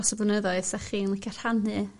dros y blynyddoedd 'sach chi'n licio rhannu